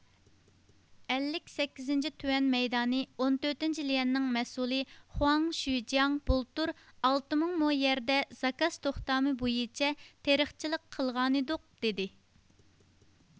ئەللىك سەككىزىنچى تۇەن مەيدانى ئون تۆتىنچى ليەنىنىڭ مەسئۇلى خۇاڭ شۇجياڭ بۇلتۇر ئالتە مىڭ مو يەردە زاكاز توختامى بويىچە تېرىقچىلىق قىلغانىدۇق دېدى